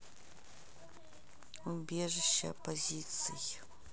убежище оппозиции